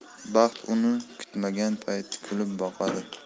baxt uni kutmagan payt kulib boqadi